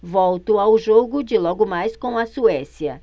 volto ao jogo de logo mais com a suécia